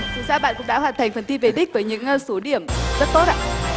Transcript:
thật ra bạn cũng đã hoàn thành phần thi về đích với những số điểm rất tốt